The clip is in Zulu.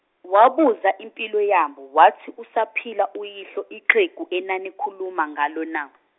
wabuza impilo yabo wathi usaphila uyihlo ixhegu enanikhuluma ngalo na .